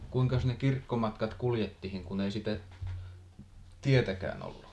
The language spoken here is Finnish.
kuinkas ne kirkkomatkat kuljettiin kun ei sitä tietäkään ollut